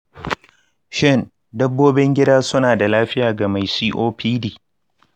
shin dabbobin gida suna da lafiya ga mai copd?